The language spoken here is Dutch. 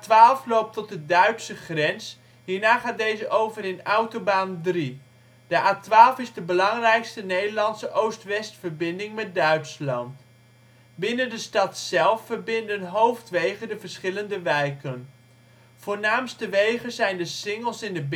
A12 loopt tot de duitse grens, hierna gaat deze over in ' Autobahn 3 '. De A12 is de belangrijkste Nederlandse oost-west verbinding met Duitsland. Binnen de stad zelf verbinden hoofdwegen de verschillende wijken. Voornaamste wegen zijn de singels in de